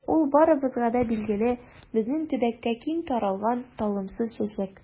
Ул барыбызга да билгеле, безнең төбәктә киң таралган талымсыз чәчәк.